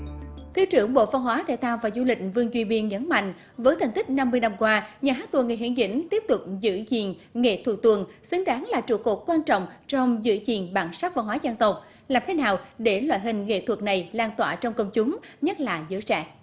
thứ trưởng bộ văn hóa thể thao và du lịch vương duy biên nhấn mạnh với thành tích năm mươi năm qua nhà hát tuồng nguyễn hiển dĩnh tiếp tục giữ gìn nghệ thuật tuồng xứng đáng là trụ cột quan trọng trong giữ gìn bản sắc văn hóa dân tộc làm thế nào để loại hình nghệ thuật này lan tỏa trong công chúng nhất là giới trẻ